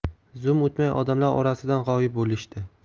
zum o'tmay odamlar orasidan g'oyib bo'lishdi